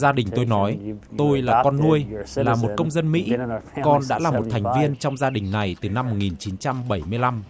gia đình tôi nói tôi là con nuôi là một công dân mỹ con đã là một thành viên trong gia đình này từ năm một nghìn chín trăm bảy mươi lăm